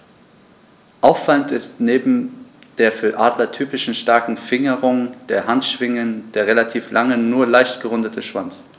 Auffallend ist neben der für Adler typischen starken Fingerung der Handschwingen der relativ lange, nur leicht gerundete Schwanz.